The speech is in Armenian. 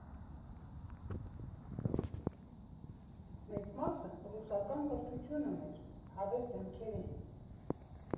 Մեծ մասը ռուսական կրթություն ուներ, հավես դեմքեր էինք։